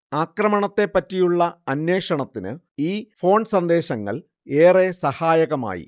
ആക്രമണത്തെപ്പറ്റിയുള്ള അന്വേഷണത്തിന് ഈ ഫോൺ സന്ദേശങ്ങൾ ഏറെ സഹായകമായി